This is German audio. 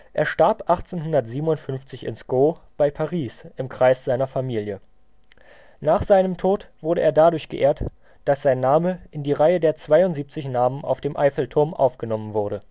Er starb 1857 in Sceaux bei Paris im Kreis seiner Familie. Nach seinem Tod wurde er dadurch geehrt, dass sein Name in die Reihe der 72 Namen auf dem Eiffelturm aufgenommen wurde